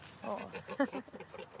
O!